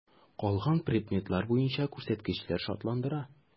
Калган предметлар буенча күрсәткечләр шатландыра.